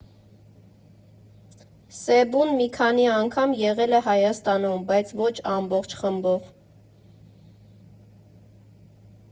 Սեբուն մի քանի անգամ եղել է Հայաստանում, բայց ոչ ամբողջ խմբով։